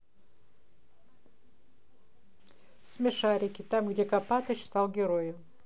смешарики там где копатыч стал героем